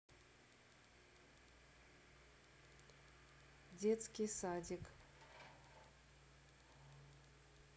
детский садик